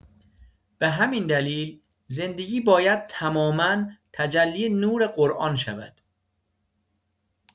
به همین دلیل زندگی باید تماما تجلی نور قرآن شود.